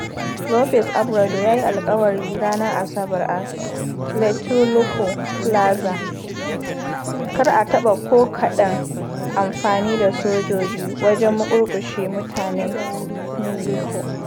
Lopez Obrador ya yi alkawari ranar Asabar a Tlatelolco Plaza “kar a taɓa ko kaɗan amfani da sojoji wajen murƙushe mutanen Mexico.”